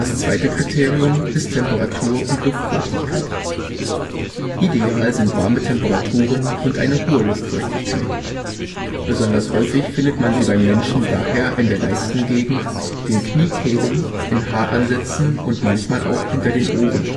zweite Kriterium ist Temperatur und Luftfeuchtigkeit. Ideal sind warme Temperaturen und eine hohe Luftfeuchtigkeit. Besonders häufig findet man sie beim Menschen daher in der Leistengegend, den Kniekehlen, in Haaransätzen und manchmal auch hinter den Ohren